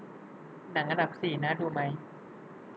หนังอันดับสี่น่าดูไหม